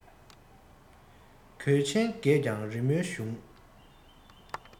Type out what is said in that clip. གོས ཆེན རྒས ཀྱང རི མོའི གཞུང